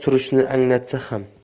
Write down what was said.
turishni anglatsa ham